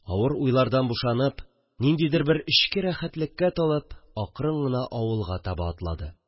Авыр уйлардан бушанып, ниндидер бер эчке рәхәтлеккә талып, акрын гына авылга таба атлады